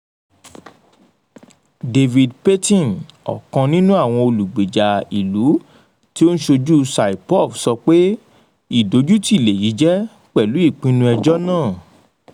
David Patton, ọ̀kan nínú àwọn olúgbèjà ìlú tí ó ń ṣojú Saipov, sọ pé "ìdójútì lèyí jẹ́" pẹ̀lú ìpinnu ẹjọ́ náà.